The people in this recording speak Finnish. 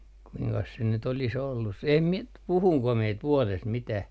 kuinkas se nyt olisi ollut se en minä nyt puhuinko minä - vuodesta mitään